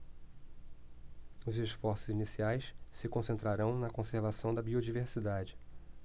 os esforços iniciais se concentrarão na conservação da biodiversidade